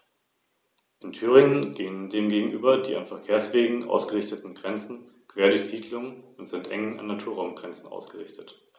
Damit war es als Machtfaktor ausgeschaltet, während Rom mit seiner neuen Provinz Hispanien zunehmend an Einfluss gewann.